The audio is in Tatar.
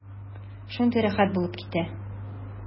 Шундый рәхәт булып китә.